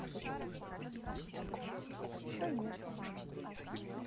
еще нету